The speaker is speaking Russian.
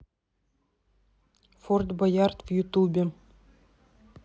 форт боярд в ютубе